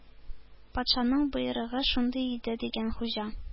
— патшаның боерыгы шундый иде,— дигән хуҗа.